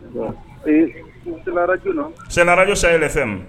J sa ye yɛrɛ fɛn ma